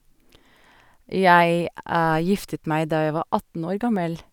Jeg giftet meg da jeg var atten år gammel.